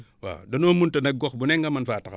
waaw danoo munut a nag gox bu ne nga mën faa taxaw